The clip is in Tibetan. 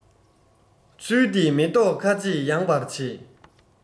ཚུལ འདིས མེ ཏོག ཁ འབྱེད ཡངས པར བྱེད